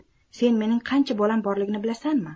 sen mening qancha bolam borligini bilasanmi